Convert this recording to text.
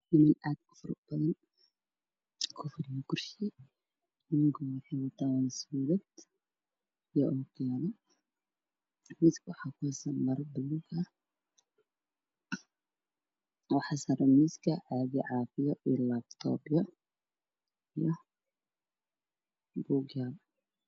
Nimin aad u fara badan ku fadhiyo kursi niminka waxey wataan suudad iyo okiyaalo miiska waxa ku fidsan maro baluug ah waxaa saran miidka cagag cafiyo ah iyo laptopyo iyo buug yaalo